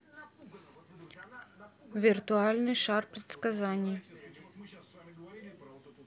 виртуальный шар предсказаний